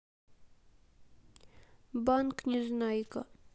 банк незнайка